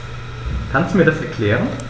Kannst du mir das erklären?